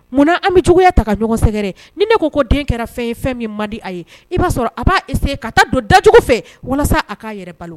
Munna an be juguya ta ka ɲɔgɔn sɛgɛrɛ ni ne ko ko den kɛra fɛn ye fɛn min mandi a ye i b'a sɔrɔ a b'a essayer ka taa don dajugu fɛ walasa a k'a yɛrɛ balo